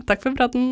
takk for praten.